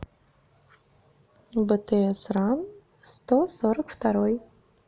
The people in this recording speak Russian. bts run сто сорок второй